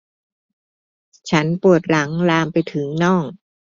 ฉันปวดหลังลามไปถึงน่อง